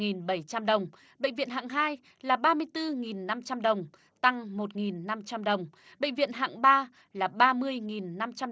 nghìn bảy trăm đồng bệnh viện hạng hai là ba mươi tư nghìn năm trăm đồng tăng một nghìn năm trăm đồng bệnh viện hạng ba là ba mươi nghìn năm trăm